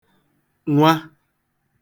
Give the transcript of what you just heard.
nwa